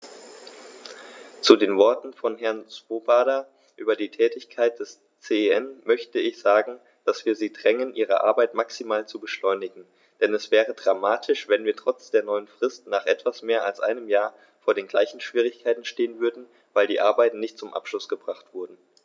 Zu den Worten von Herrn Swoboda über die Tätigkeit des CEN möchte ich sagen, dass wir sie drängen, ihre Arbeit maximal zu beschleunigen, denn es wäre dramatisch, wenn wir trotz der neuen Frist nach etwas mehr als einem Jahr vor den gleichen Schwierigkeiten stehen würden, weil die Arbeiten nicht zum Abschluss gebracht wurden.